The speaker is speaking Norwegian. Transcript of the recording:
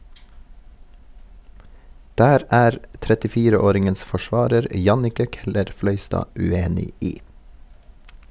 Der er 34-åringens forsvarer Jannicke Keller-Fløystad uenig i.